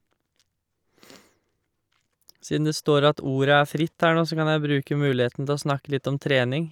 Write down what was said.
Siden det står at ordet er fritt her nå, så kan jeg bruke muligheten til å snakke litt om trening.